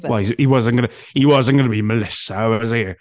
He wasn't gonna... he wasn't gonna be Melissa, was he?